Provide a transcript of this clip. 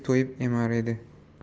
to'yib emar edi